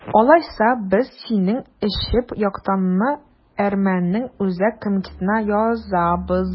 Алайса, без синең эчеп ятканыңны әрмәннең үзәк комитетына язабыз!